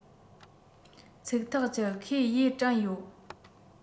ཚིག ཐག བཅད ཁོས ཡས དྲན ཡོད